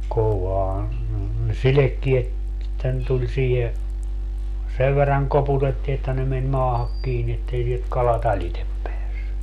kovaan ne sidekkeet että ne tuli siihen sen verran koputettiin että ne meni maahan kiinni että ei sieltä kalat alitse päässyt